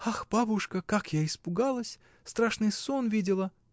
— Ах, бабушка, как я испугалась! страшный сон видела!